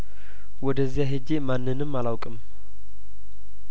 ወደዚያ ሄጄ ማንንም አላውቅም